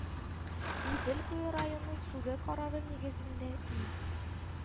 Идел буе районы суды карары нигезендә, И